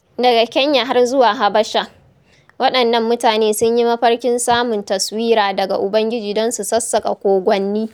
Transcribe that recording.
Daga Kenya har zuwa Habasha, waɗannan mutane sun yi mafarkin samun "taswira" daga ubangiji don su sassaƙa kogwanni.